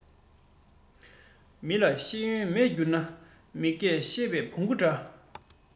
མི ལ ཤེས ཡོན མེད འགྱུར ན མི སྐད ཤེས པའི བོང བུ འདྲ